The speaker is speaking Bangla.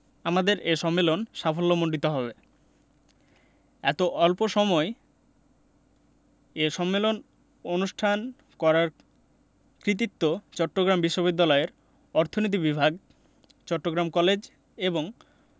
আমাদের এ সম্মেলন সাফল্যমণ্ডিত হবে এত অল্প এ সম্মেলন অনুষ্ঠান করার কৃতিত্ব চট্টগ্রাম বিশ্ববিদ্যালয়ের অর্থনীতি বিভাগ চট্টগ্রাম কলেজ এবং